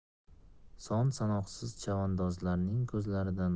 son sanoqsiz chavandozlarning ko'zlaridan